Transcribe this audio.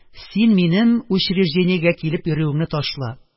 Син минем учреждениегә килеп йөрүеңне ташла